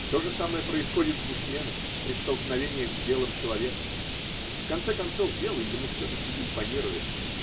То же самое происходит с бушменом при столкновениях с белым человеком: в конце концов, белый ему все-таки импонирует.